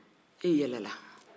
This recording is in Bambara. e yɛlɛla